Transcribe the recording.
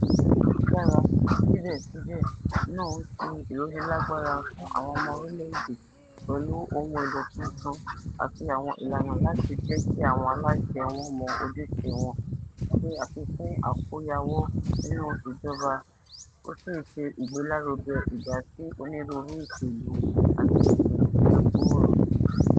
Ayélujára, síbẹ̀síbẹ̀, náà ń ṣe ìrónílágbára fún àwọn ọmọ orílẹ̀ èdè pẹ̀lú àwọn ohun èlò tuntun àti àwọn ìlànà láti jẹ́ kí àwọn aláṣẹ wọn mọ ojúṣe wọn, ṣe àfikún àkóyawọ́ nínú ìjọba, ó sì ń ṣe ìgbélárugẹ ìdásí onírúurú ìṣèlú àti ìṣèlú tí ó gbòòrò.